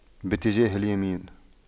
باتجاه اليمين